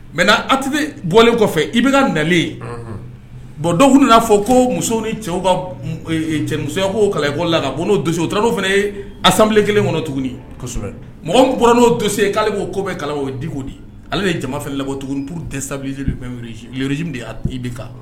Mɛ atibi bɔlen kɔfɛ i bɛ nalen bɔn do'a fɔ ko muso ni cɛw ka cɛmusoya ko kalako la n'osi o t fana ye a sanbilen kelen kɔnɔ tuguni kosɛbɛ mɔgɔ bɔra n'o donse'ale ko bɛ o di de ale de jama fɛ labɔ tuguni p tɛ sabisi i bɛ kan